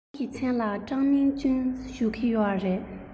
ཁོང གི མཚན ལ ཀྲང མིང ཅུན ཞུ གི ཡོད རེད